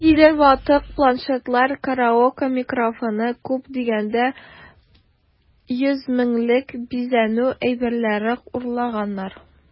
Ниндидер ватык планшетлар, караоке микрофоны(!), күп дигәндә 100 меңлек бизәнү әйберләре урлаганнар...